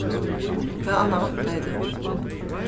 hvat annað væntaði tú